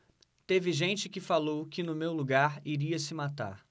teve gente que falou que no meu lugar iria se matar